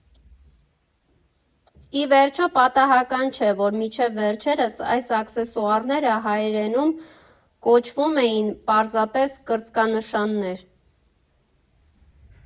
Ի վերջո, պատահական չէ, որ մինչև վերջերս այս աքսեսուարները հայերենում կոչվում էին պարզապես կրծքանշաններ։